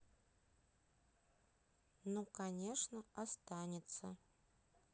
ну конечно останется